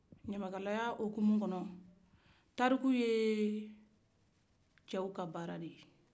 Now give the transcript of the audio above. ɲamakala okumu kɔnɔ tariku ye cɛw ka baara de ye